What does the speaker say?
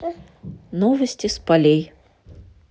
новости с полей